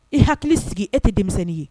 I hakili sigi, e tɛ denmisɛnnin ye